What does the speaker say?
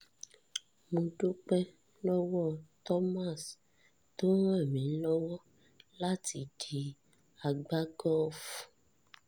Mo dúpẹ́ lọwọ́ Thomas tó rànmílọ́wọ́ láti di agbágọ́ọ̀fù.